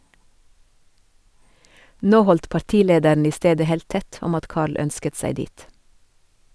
- Nå holdt partilederen i stedet helt tett om at Carl ønsket seg dit.